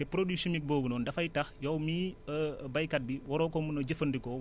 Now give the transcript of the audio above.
te produit chimique boobu noonu dafay tax yow mii béykat bi waroo ko mun a jëfandikoo